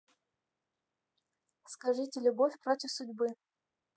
скажите любовь против судьбы